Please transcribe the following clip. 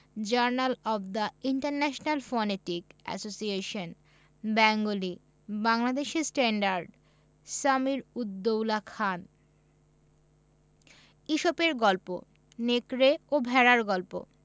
journal of the International Phonetic Association Bengali Bangladeshi standard Samir ud Daula Khan ইসপের গল্প নেকড়ে ও ভেড়ার গল্প